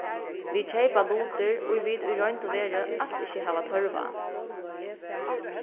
vit keypa lutir ið vit í roynd og veru als ikki hava tørv á